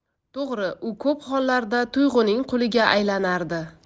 to'g'ri u ko'p hollarda tuyg'uning quliga aylanardi